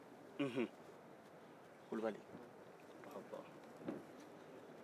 unhun dugujɛra nhun a y'a ka wuluni fɔɔni nhun